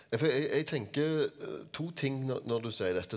ja for jeg jeg tenker to ting når du sier dette.